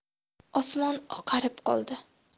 osmon oqarib qoldi